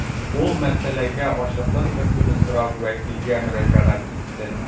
Ул мәсьәләгә ачыклык кертүне сорап вәкилгә мөрәҗәгать итте.